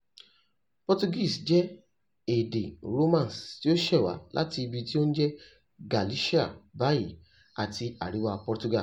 Portuguese jẹ́ èdè Romance tí ó ṣẹ̀wá láti ibi tí ó ń jẹ́ Galicia báyìí àti àríwá Portugal.